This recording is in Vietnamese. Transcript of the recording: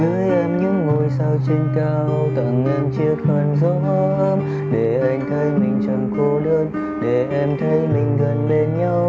gửi em những ngôi sao trên cao tăng em chiếc khăn gió ấm để em thấy mình chẳng cô đơn để em thấy mình gần bên nhau